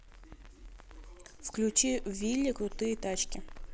включи вилли крутые тачки